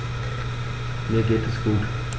Mir geht es gut.